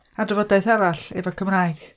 A'r drafodaeth arall, efo'r Cymraeg.